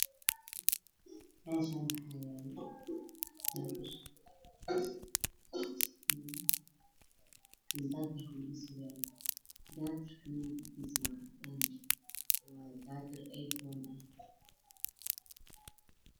Meeshaan waxaa yaalo xarig jajir kalarkiisu caddaan yahay dhulka qaxay uu yahay xariga oo xarig iphone ah